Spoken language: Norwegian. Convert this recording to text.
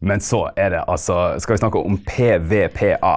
men så er det altså skal vi snakke om PVPA